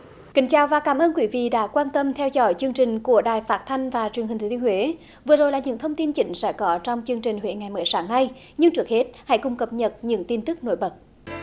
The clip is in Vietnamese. kính chào và cảm ơn quý vị đã quan tâm theo dõi chương trình của đài phát thanh và truyền hình thừa thiên huế vừa rồi là những thông tin chính sẽ có trong chương trình huế ngày mới sáng nay nhưng trước hết hãy cùng cập nhật những tin tức nổi bật